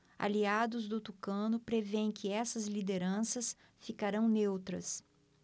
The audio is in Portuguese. aliados do tucano prevêem que essas lideranças ficarão neutras